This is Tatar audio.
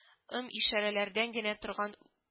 Ым-ишарәләрдән генә торган